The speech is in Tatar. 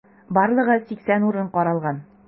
Барлыгы 80 урын каралган.